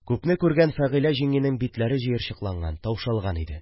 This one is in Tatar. Күпне күргән Фәгыйлә җиңгинең битләре җыерчыкланган, таушалган иде